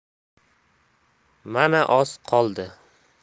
mana oz qoldi